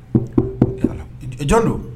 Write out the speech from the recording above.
Jɔn don